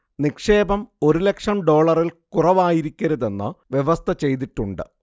നിക്ഷേപം ഒരു ലക്ഷം ഡോളറിൽ കുറവായിരിക്കരുതെന്ന് വ്യവസ്ഥ ചെയ്തിട്ടുണ്ട്